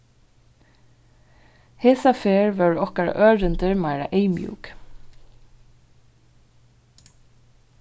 hesa ferð vóru okkara ørindir meira eyðmjúk